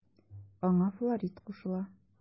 Аңа Флорид кушыла.